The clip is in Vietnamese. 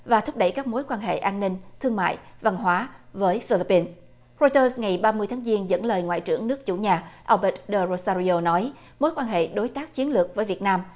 và thúc đẩy các mối quan hệ an ninh thương mại văn hóa với phi líp pin phô tơ ngày ba mươi tháng giêng dẫn lời ngoại trưởng nước chủ nhà eo bệt dơ rô san nê rô nói mối quan hệ đối tác chiến lược với việt nam